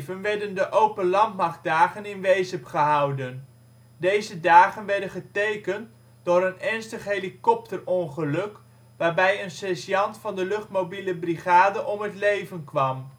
In 2007 werden de open landmachtdagen in Wezep gehouden. Deze dagen werden getekend door een ernstig helikopterongeluk, waarbij een sergeant van de luchtmobiele brigade om het leven kwam